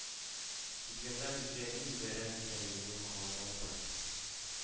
Килгәндә безгә нинди бәйрәм икәнлеген дә аңлатмадылар